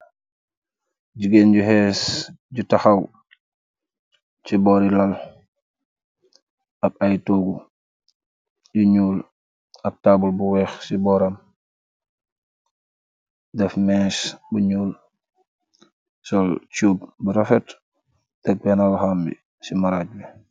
Jigéen ju xees ju taxaw ci boori lal ab ay tuggu yu ñuul ab taabul bu weex ci booram def mes bu ñuul sol cub bu rafet teg penalxambi ci maraaj bi.